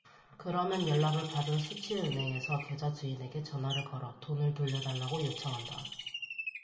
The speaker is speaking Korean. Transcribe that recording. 그러면 연락을 받은 수취 은행에서 계좌 주인에게 전화를 걸어 돈을 돌려 달라고 요청한다